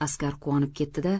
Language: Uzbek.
askar quvonib ketdi da